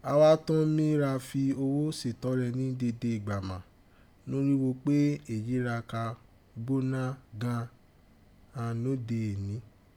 A wá tọ́n mí ra fi owó sètọrẹ ní dede ìgbà má, norígho pé èyí ra ka gbóná gan an nòde èní.